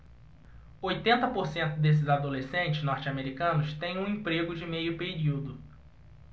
oitenta por cento desses adolescentes norte-americanos têm um emprego de meio período